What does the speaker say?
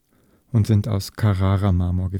und sind in Carrara-Marmor gefertigt